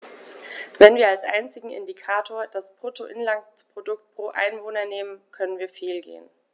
Wenn wir als einzigen Indikator das Bruttoinlandsprodukt pro Einwohner nehmen, können wir fehlgehen.